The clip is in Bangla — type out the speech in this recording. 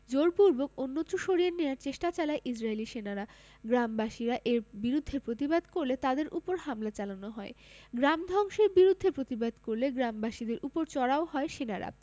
জোরপূর্বক অন্যত্র সরিয়ে নেয়ার চেষ্টা চালায় ইসরাইলি সেনারা গ্রামবাসীরা এর বিরুদ্ধে প্রতিবাদ করলে তাদের ওপর হামলা চালানো হয় গ্রাম ধ্বংসের বিরুদ্ধে প্রতিবাদ করলে গ্রামবাসীদের ওপর চড়াও হয় সেনারা